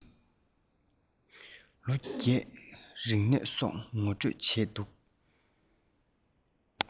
ལོ རྒྱུས རིག གནས སོགས ངོ སྤྲོད བྱས འདུག